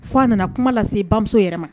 Fo a nana kuma lase se bamuso yɛrɛ ma